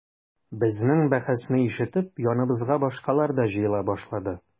Безнең бәхәсне ишетеп яныбызга башкалар да җыела башлады.